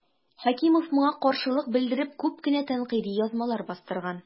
Хәкимов моңа каршылык белдереп күп кенә тәнкыйди язмалар бастырган.